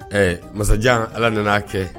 Ɛɛ masajan ala nana'a kɛ